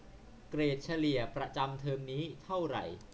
เกรดเฉลี่ยประจำเทอมนี้เท่าไหร่